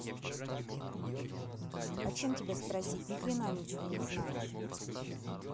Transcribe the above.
а чем тебя спросить нихрена ничего не знаешь